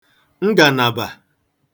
ngànàbà